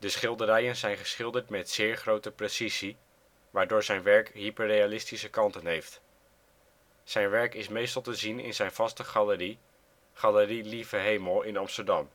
schilderijen zijn geschilderd met zeer grote precisie, waardoor zijn werk hyperrealistische kanten heeft. Zijn werk is meestal te zien in zijn vaste galerie, Galerie Lieve Hemel in